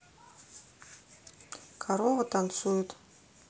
корова танцует